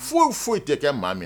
Foyi foyi tɛ kɛ maa min